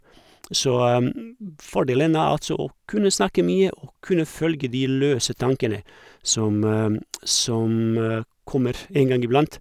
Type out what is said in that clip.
Så fordelen er altså å kunne snakke mye og kunne følge de løse tankene som som kommer en gang iblant.